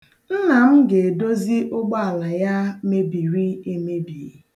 Nna m ga-edozi ụgbọala ya mebiri emebi.